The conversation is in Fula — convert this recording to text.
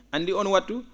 anndi oon waktu